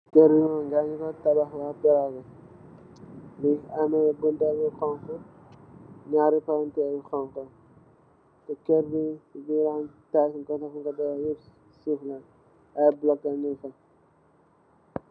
Keur yi guy nyung ku tabakh y egagut mungi ame bonta bu xong khu nyarri palanter yu xhong khu ak aye lamp pa nyung fa